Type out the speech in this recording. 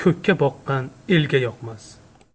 ko'kka boqqan elga yoqmas